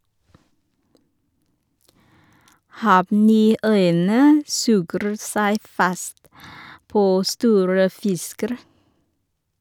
Hav-niøyene suger seg fast på store fisker.